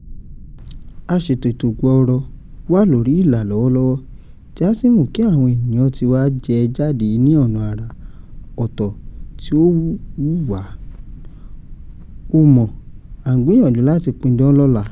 A ṣètò ìtọ̀ gbọorọ̀ wa lórí ìlà lọ́wọ̀ọ̀wọ́ tí a sí mú kí àwọn ẹni tiwa jẹ́ jádení ọ̀nà àrà ọ̀tọ̀ tí ó wù wá, o mọ̀, a ń gbìyànjú láti pidán lọla."